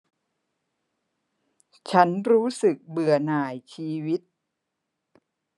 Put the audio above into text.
ฉันรู้สึกเบื่อหน่ายชีวิต